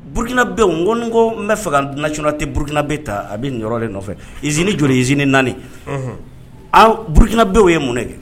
Burukinabe n ko n ko n bɛ fɛ natina tɛ burukinabe ta a bɛ de nɔfɛ zini jɔ ye zini naani aa burukinabe ye mun kɛ